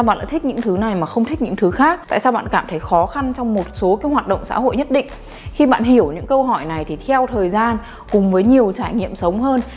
mà không thích những thứ khác tại sao bạn cảm thấy khó khăn trong một số cái hoạt động xã hội nhất định khi bạn hiểu những câu hỏi này thì theo thời gian cùng với nhiều trải nghiệm sống hơn